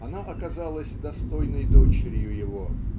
Она оказалась достойной дочерью его.